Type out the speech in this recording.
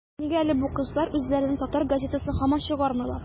- нигә әле бу кызыллар үзләренең татар газетасын һаман чыгармыйлар?